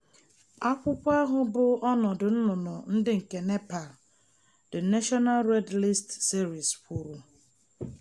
Akwụkwọ ahu bụ Ọnọdụ Nnụnụ ndị nke Nepal: The National Red List Series kwuru: